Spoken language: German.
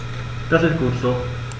Das ist gut so.